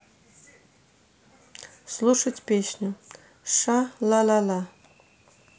слушать песню ша ла ла ла